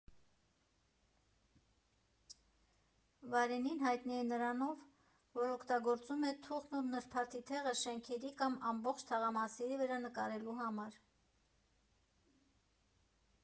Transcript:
Վարինին հայտնի է նրանով, որ օգտագործում է թուղթն ու նրբաթիթեղը շենքերի կամ ամբողջ թաղամասերի վրա նկարելու համար։